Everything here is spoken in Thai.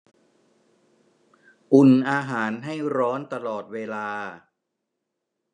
อุ่นอาหารให้ร้อนตลอดเวลา